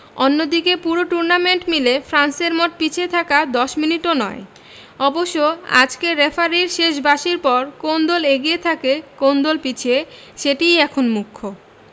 অন্যদিকে পুরো টুর্নামেন্ট মিলে ফ্রান্সের মোট পিছিয়ে থাকা ১০ মিনিটও নয় অবশ্য আজকের রেফারির শেষ বাঁশির পর কোন দল এগিয়ে থাকে কোন দল পিছিয়ে সেটিই এখন মুখ্য